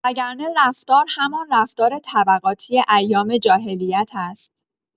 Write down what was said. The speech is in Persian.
وگرنه رفتار همان رفتار طبقاتی ایام جاهلیت است.